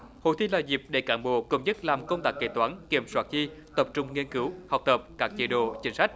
hội thi là dịp để cán bộ công chức làm công tác kế toán kiểm soát chi tập trung nghiên cứu học tập các chế độ chính sách